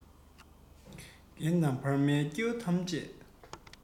རྒན དང བར མའི སྐྱེ བོ ཐམས ཅད